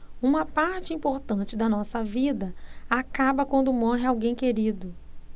uma parte importante da nossa vida acaba quando morre alguém querido